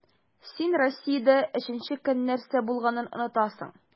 Син Россиядә өченче көн нәрсә булганын онытасың.